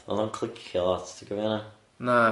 O'dd o'n clicio lot ti'n cofio hynna?